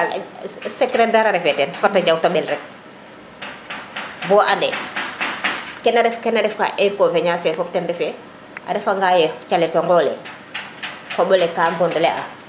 a secret dara ref teen fato jaw te ɓel rek bo ande kene ken ref kene ref xa inconvenient fe fop ten refe a refa nga ye calel ke ngole xombole ka go le a